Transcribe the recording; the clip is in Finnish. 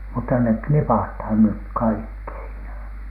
mutta ne knipataan nyt kaikki siinä